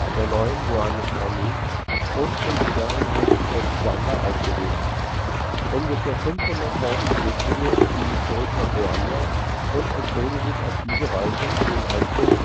der neuen ruandischen Armee und Militäreinheiten aus Uganda aufgelöst. Ungefähr 500.000 Flüchtlinge gingen zurück nach Ruanda und entzogen sich auf diese Weise dem Einfluss